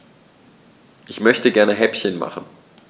Ich möchte gerne Häppchen machen.